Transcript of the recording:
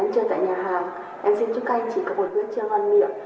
hàng em xin chúc các anh chị có một bữa trưa ngon miệng